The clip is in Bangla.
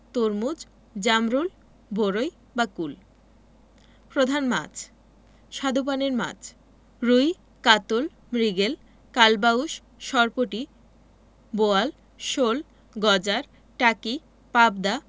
তরমুজ জামরুল বরই বা কুল প্রধান মাছঃ স্বাদুপানির মাছ রুই কাতল মৃগেল কালবাউস সরপুঁটি বোয়াল শোল গজার টাকি পাবদা